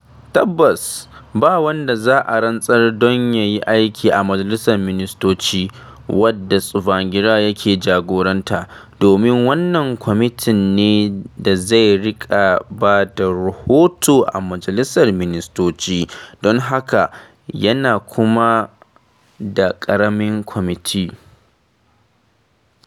Tabbas, ba wanda za a rantsar don ya yi aiki a Majalisar Ministoci (wadda Tsvangirai yake jagoranta), domin wannan kwamiti ne da zai riƙa ba da rahoto ga majalisar ministoci, don haka yana kama da ƙaramin kwamiti.